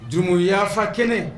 Dunun yafafa kɛnɛ